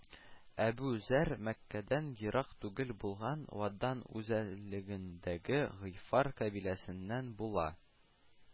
Әбу Зәрр Мәккәдән ерак түгел булган Ваддан үзәнлегендәге Гыйфар кабиләсеннән була